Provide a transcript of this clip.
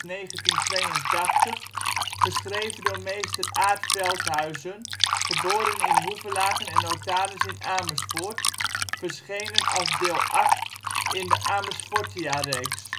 1132 - 1982 ", geschreven door mr. Aart Veldhuizen, geboren in Hoevelaken en notaris in Amersfoort; verschenen als deel 8 in de Amersfortia Reeks